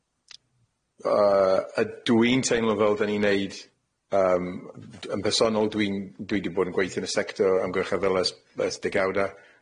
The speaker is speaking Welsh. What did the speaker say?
Yy y dwi'n teimlo fel 'da ni'n neud yym d-... Yn bersonol, dwi'n dwi 'di bod yn gweithio yn y sector o amgylcheddol ers- ers degawda.